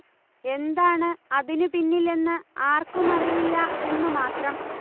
എന്താണ് അതിനു പിന്നിലെന്ന് ആർക്കുമറിയില്ല എന്നു മാത്രം